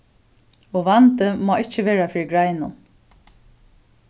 og vandi má ikki vera fyri greinum